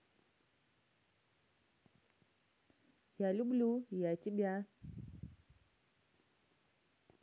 я люблю я тебя